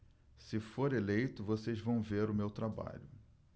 se for eleito vocês vão ver o meu trabalho